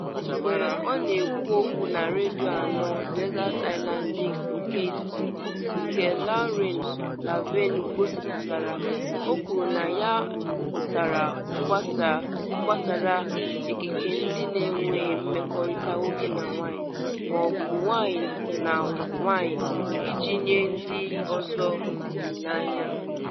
Mgbe ọ na-ekwu okwu na Radio 4 Desert Island Discs nke izizi, nke Lauren Laverne gosipụtara, o kwuru na ya kwuputara gbasara ikike ndị na-enwe mmekọrịta nwoke na nwoke ma ọ bụ nwanyị na nwanyị iji nye ndị ọzọ “olile anya.”